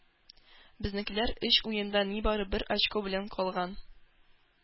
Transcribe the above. Безнекеләр өч уенда нибары бер очко белән калган.